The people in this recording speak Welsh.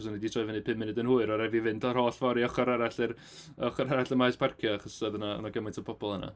Achos o'n i 'di troi fyny pum munud yn hwyr, oedd raid i fi fynd yr holl ffordd i ochr arall yr ochr arall y maes parcio, achos oedd 'na oedd 'na gymaint o bobl yna.